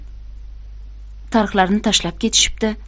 tarhlarni tashlab ketishibdi